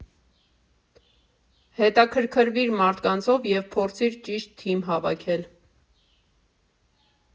Հետաքրքրվիր մարդկանցով և փորձիր ճիշտ թիմ հավաքել։